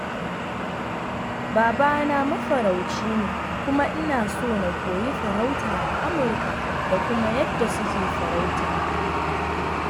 Babana mafarauci ne kuma ina so na koyi farauta a Amurka da kuma yadda suke farautar.